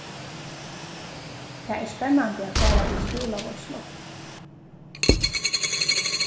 tað er spennandi at fara í skúlaveitslu